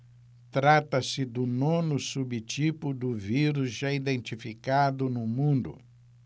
trata-se do nono subtipo do vírus já identificado no mundo